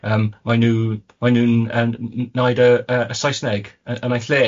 yym mae nhw maen nhw'n yn n- wneud y yy y Saesneg yy yn y lle .